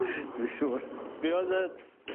Dwi siŵr. Be' oedd y...